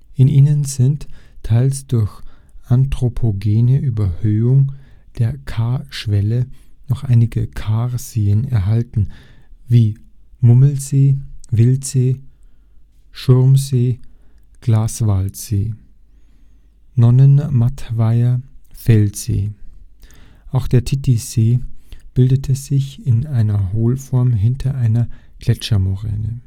In ihnen sind, teils durch anthropogene Überhöhung der Karschwelle, noch einige Karseen erhalten wie Mummelsee, Wildsee, Schurmsee, Glaswaldsee, Nonnenmattweiher, Feldsee. Der Titisee bildete sich als Zungenbeckensee hinter einer Gletschermoräne